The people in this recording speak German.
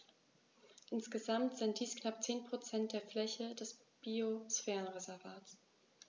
Insgesamt sind dies knapp 10 % der Fläche des Biosphärenreservates.